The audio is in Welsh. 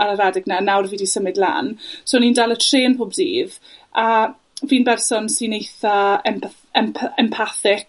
...ar yr adeg 'na. Nawr fi 'di symud lan, so o'n i'n dal y trên pob dydd, a, fi'n berson sy'n eitha empa- empa- empathic,